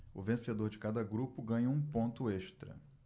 o vencedor de cada grupo ganha um ponto extra